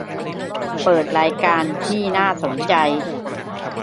เปิดรายการที่น่าสนใจ